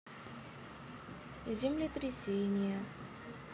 землетрясение